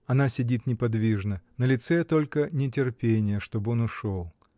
Она сидит неподвижно: на лице только нетерпение, чтоб он ушел.